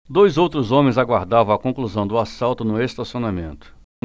dois outros homens aguardavam a conclusão do assalto no estacionamento